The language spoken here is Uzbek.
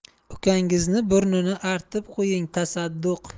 ukangizni burnini artib qo'ying tasadduq